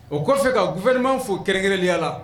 O kɔfɛ ka gufɛliman fo kɛlɛkɛrɛnliya la